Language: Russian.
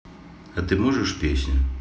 а ты можешь песня